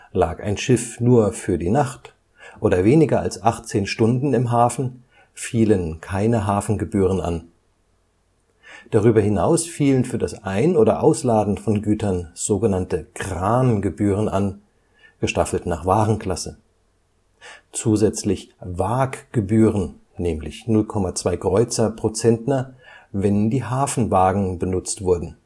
Lag ein Schiff nur für die Nacht oder weniger als 18 Stunden im Hafen, fielen keine Hafengebühren an. Darüber hinaus fielen für das Ein - oder Ausladen von Gütern sogenannte Krangebühren an (gestaffelt nach Warenklasse), zusätzlich Waaggebühren (0,2 Kreuzer pro Zentner), wenn die Hafenwaagen benutzt wurden